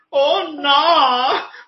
o na